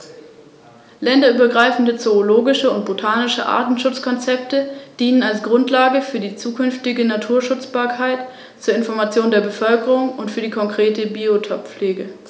Der Schwanz der adulten Tiere ist braun und mehr oder weniger deutlich mit einigen helleren Bändern durchsetzt.